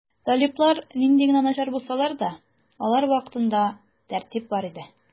Талиблар нинди генә начар булсалар да, алар вакытында тәртип бар иде.